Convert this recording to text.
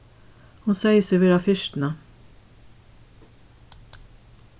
hon segði seg vera firtna